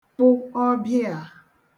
kpụ ọbịà